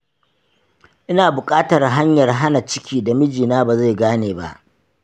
ina bukatar hanyar hana ciki da mijina ba zai gane ba.